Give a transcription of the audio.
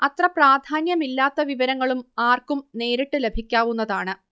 അത്ര പ്രാധാന്യമില്ലാത്ത വിവരങ്ങളും ആർക്കും നേരിട്ട് ലഭിക്കാവുന്നതാണ്